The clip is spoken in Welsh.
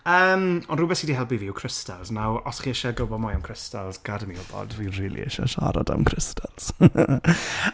Yym, ond rywbeth sy 'di helpu fi yw crystals. Nawr, os chi isie gwybod mwy am crystals gad i mi wbod, fi rili isie siarad am crystals.